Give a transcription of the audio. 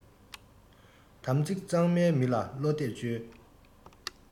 དམ ཚིག གཙང མའི མི ལ བློ གཏད བཅོལ